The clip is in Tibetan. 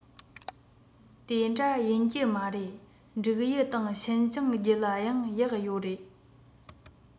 དེ འདྲ ཡིན གྱི མ རེད འབྲུག ཡུལ དང ཤིན ཅང རྒྱུད ལ ཡང གཡག ཡོད རེད